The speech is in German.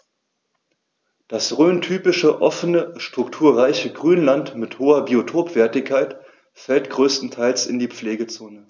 Das rhöntypische offene, strukturreiche Grünland mit hoher Biotopwertigkeit fällt größtenteils in die Pflegezone.